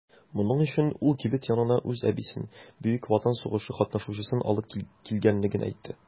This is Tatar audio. Моның өчен ул кибет янына үз әбисен - Бөек Ватан сугышы катнашучысын алып килгәнлеген әйтте.